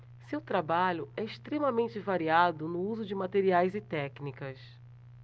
seu trabalho é extremamente variado no uso de materiais e técnicas